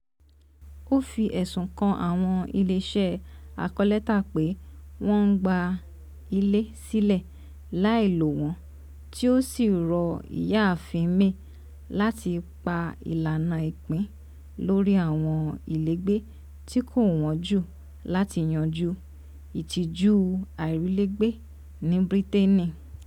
Ó fi ẹ̀sùn kan àwọn ilé iṣẹ́ akọ́létà pé wọ́n ń gba ilẹ̀ sílẹ̀ lái lò wọ̀n, tí ó sí rọ ìyáàfin May láti pa ìlànà ìpín lórí àwọn ilégbèé tí kò wọ́n jù láti yanjú “ìtìjú àìrílégbé.” ní Bírítéénì